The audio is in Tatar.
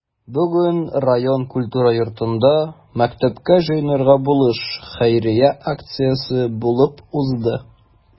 Бүген район культура йортында “Мәктәпкә җыенырга булыш” хәйрия акциясе булып узды.